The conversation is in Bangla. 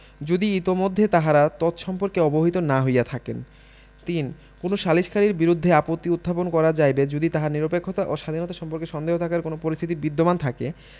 যদি ইতোমধ্যে তাহারা তৎসম্পর্কে অবহিত না হইয়া থাকেন ৩ কোন সালিসকারীর বিরুদ্ধে আপত্তি উত্থাপন করা যাইবে যদি তাহার নিরপেক্ষতা ও স্বাধীনতা সম্পর্কে সন্দেহ থাকার কোন পরিস্থিতি বিদ্যমান থাকে